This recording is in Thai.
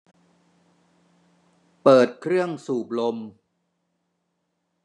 เปิดเครื่องสูบลม